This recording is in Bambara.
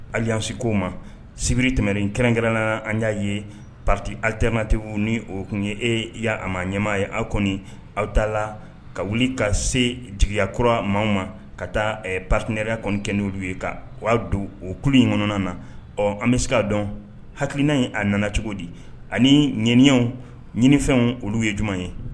Hali anse kkoo ma sibiri tɛmɛnren kɛrɛnkɛrɛnna an y'a ye pati aliternati ni o tun ye e ya a ma ɲɛmaa ye aw kɔni aw ta la ka wuli ka se jigiya kura maaw ma ka taa patiinaɛreya kɔni kɛen oluolu ye ka' don o kulu in kɔnɔna na ɔ an bɛ se k'a dɔn hakiina in a nana cogo di ani ɲaniw ɲininfɛnw olu ye ɲuman ye